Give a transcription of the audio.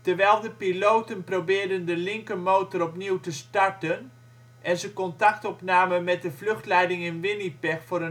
Terwijl de piloten probeerden de linkermotor opnieuw te starten en ze contact opnamen met de vluchtleiding in Winnipeg voor